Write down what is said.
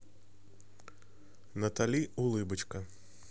натали улыбочка